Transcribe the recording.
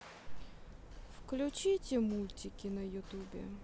включите мультики на ютубе